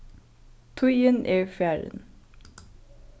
tíðin er farin